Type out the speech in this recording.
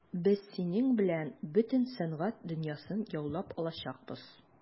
Без синең белән бөтен сәнгать дөньясын яулап алачакбыз.